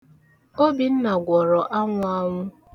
Obinna gwọrọ anwụanwụ.